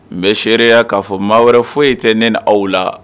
N bɛ seereya ka fɔ maa wɛrɛ foyi te ne ni aw la